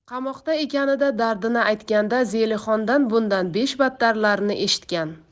qamoqda ekanida dardini aytganda zelixondan bundan beshbattarlarini eshitgan